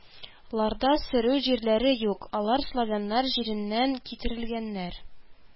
Ларда сөрү җирләре юк, алар славяннар җиреннән китерелгәннәр